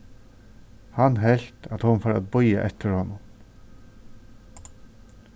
hann helt at hon fór at bíða eftir honum